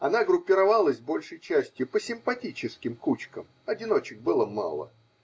Она группировалась большей частью по симпатическим кучкам, одиночек было мало